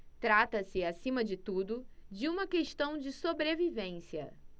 trata-se acima de tudo de uma questão de sobrevivência